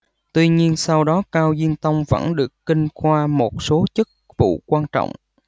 tuy nhiên sau đó cao diên tông vẫn được kinh qua một số chức vụ quan trọng